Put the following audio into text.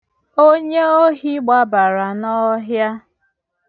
Onyoohi gbabara n'ọhịa